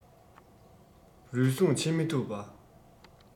རུལ སུངས བྱེད མི ཐུབ པ